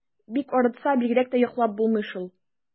Бик арытса, бигрәк тә йоклап булмый шул.